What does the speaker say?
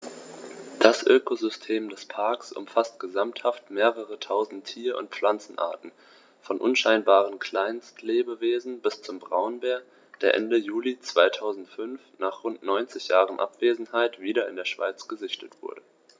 Das Ökosystem des Parks umfasst gesamthaft mehrere tausend Tier- und Pflanzenarten, von unscheinbaren Kleinstlebewesen bis zum Braunbär, der Ende Juli 2005, nach rund 90 Jahren Abwesenheit, wieder in der Schweiz gesichtet wurde.